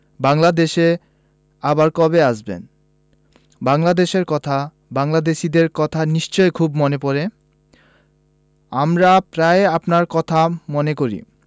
বাংলাদেশে আবার কবে আসবেন বাংলাদেশের কথা বাংলাদেশীদের কথা নিশ্চয় খুব মনে পরে আমরা প্রায়ই আপনার কথা মনে করি